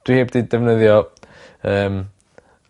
Dwi 'eb 'di defnyddio yym